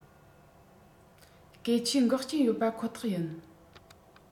སྐད ཆའི འགག རྐྱེན ཡོད པ ཁོ ཐག ཡིན